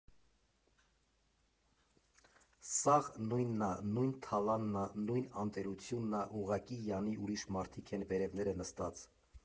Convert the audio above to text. Սաղ նույնն ա, նույն թալանն ա, նույն անտերությունն ա, ուղղակի յանի ուրիշ մարդիկ են վերևները նստած։